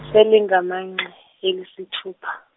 seligamenxe, elesithupha.